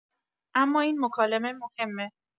اما این مکالمه مهمه.